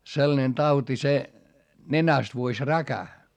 sellainen tauti se nenästä vuosi räkä